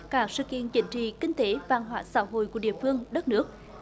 các sự kiện chính trị kinh tế văn hóa xã hội của địa phương đất nước